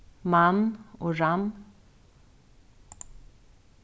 mann og rann